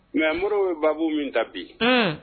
Mais Moribo ye baabu min ta bi. Unhun